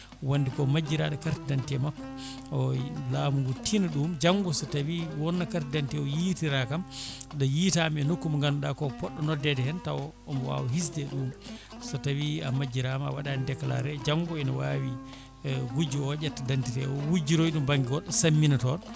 wonde ko majjiraɗo carte d' identité makko o laamu ngu tiina ɗum janggo so tawi wonno carte d' identité yiitira kam nde yiitama e nokku mo ganduɗa ko poɗɗo nodde hen taw omo wawa hiisde e ɗum so tawi majjirama a waɗani déclaré janggo ene wawi gujjo o ƴetta d' identité wujjiroya ɗum banggue goɗɗo sammina toon